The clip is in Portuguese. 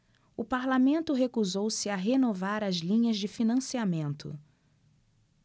o parlamento recusou-se a renovar as linhas de financiamento